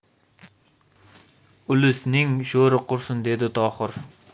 ulusning sho'ri qursin dedi tohir